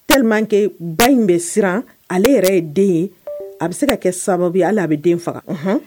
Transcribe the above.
Tellement que ba in bɛ siran ale yɛrɛ ye den ye a bɛ se ka kɛ sababu ye hali a bɛ den faga